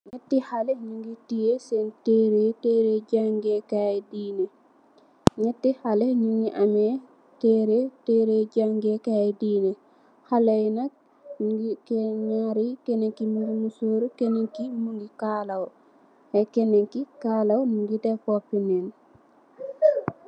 Nyati halle nyungi ame teereh, teereh jangee kaay diineh, halley, nak keneen ki mungi musooru, keneen ki mungi kaala hu, te keneen ki kaalawut mungi def bopi neen.